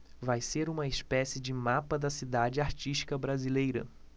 vai ser uma espécie de mapa da cidade artística brasileira